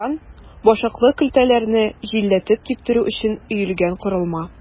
Урылган башаклы көлтәләрне җилләтеп киптерү өчен өелгән корылма.